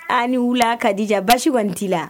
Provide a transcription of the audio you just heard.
Aw ni wula Kadija basiugan kɔni t'ila.